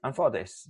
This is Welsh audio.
anffodus